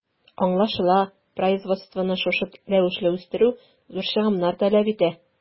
Аңлашыла, производствоны шушы рәвешле үстерү зур чыгымнар таләп итә.